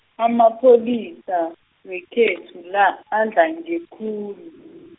amapholisa, wekhethu la, adlange khulu .